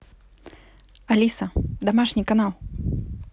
алиса домашний канал